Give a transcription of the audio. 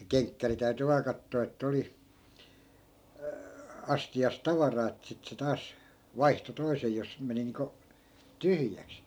se kenkkäri täytyi vain katsoa että oli astiassa tavaraa että sitten se taas vaihtoi toisen jos meni niin kuin tyhjäksi